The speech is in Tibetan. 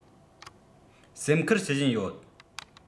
སེམས ཁུར བྱེད བཞིན ཡོད